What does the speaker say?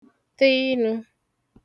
tǝ inū